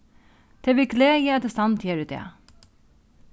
tað er við gleði at eg standi her í dag